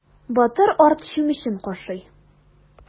Батыр арт чүмечен кашый.